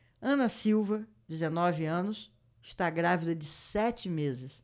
ana silva dezenove anos está grávida de sete meses